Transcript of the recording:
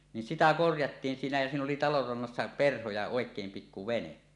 niin sitä korjattiin siinä ja siinä oli talon rannassa perho ja oikein pikku vene